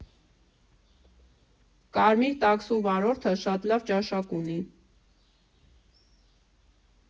Կարմիր տաքսու վարորդը շատ լավ ճաշակ ունի։